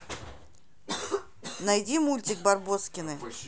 найди мультик барбоскины